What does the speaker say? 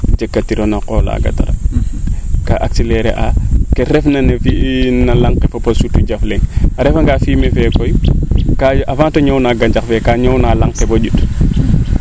jegka tiro no qol laaga kaa acceler aa kee refna na laŋ ke fop a sutu jaf leŋ a refa nga fumier fee koy kaa avant te ñoow na gancax fe kaa ñooxna laŋ ke boo njut